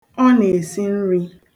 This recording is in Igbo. Ọ na-esi nri.